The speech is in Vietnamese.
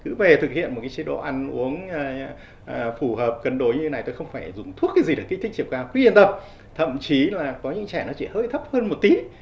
cứ về thực hiện một cái chế độ ăn uống phù hợp cân đối như này tôi không phải dùng thuốc cái gì để kích thích chiều cao cứ yên tâm thậm chí là có những trẻ nó chỉ hơi thấp hơn một tí